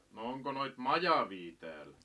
no onko noita majavia täällä